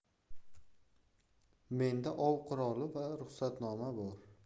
menda ov quroli va ruxsatnoma bor